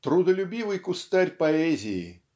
Трудолюбивый кустарь поэзии